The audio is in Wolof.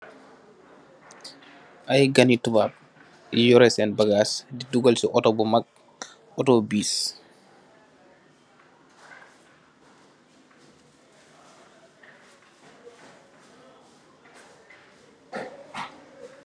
Ay Gani tubaab, yu yoree seen bagaas di dugal si Otto bu mag, Otto biis.